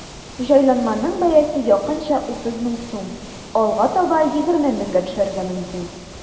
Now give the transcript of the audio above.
Җайланманың бәясе якынча 30 мең сум, алга таба 20 меңгә төшәргә мөмкин.